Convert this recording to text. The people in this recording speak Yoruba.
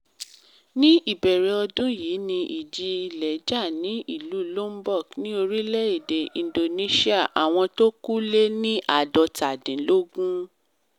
Ní ìbẹ̀rẹ̀ ọdún yìí ni ijì-ilẹ̀ jà ní ìlú Lombok ní orílẹ̀-èdè Indonesia. Àwọn t’ọ́n kú lé ni 550.